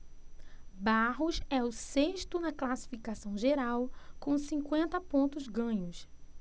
barros é o sexto na classificação geral com cinquenta pontos ganhos